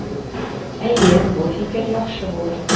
Әйе, бу фикер яхшы булыр.